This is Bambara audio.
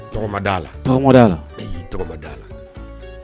Tɔgɔ ma d'a la; tɔgɔ ma d'a la; Ee tɔgɔ ma d'a la.